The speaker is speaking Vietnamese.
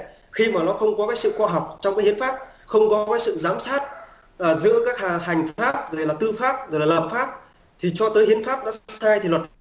khi mà nó không có sự khoa học trong hiến pháp không có sự giám sát ở giữa các hà hành pháp tư pháp luật pháp thì cho tới hiến pháp đã sai thì luật